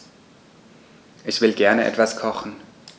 Ich will gerne etwas kochen.